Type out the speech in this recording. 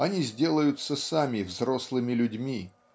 они сделаются сами взрослыми людьми